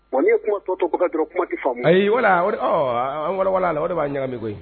N'i ye kuma to ko ka dɔrɔn kumati fa ayi wala wala la o b'a ɲagamɛ koyi